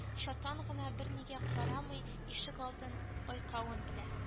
Чатан гына бернигә карамый ишегалдын айкавын белә